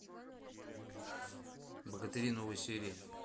богатыри новые серии